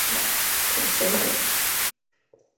O, croeso mawr.